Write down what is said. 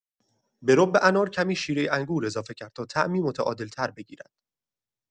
به رب انار کمی شیره انگور اضافه کرد تا طعمی متعادل‌تر بگیرد.